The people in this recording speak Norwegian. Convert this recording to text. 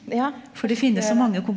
ja .